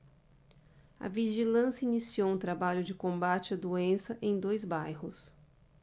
a vigilância iniciou um trabalho de combate à doença em dois bairros